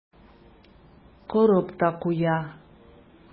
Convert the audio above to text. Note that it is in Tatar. Корып та куя.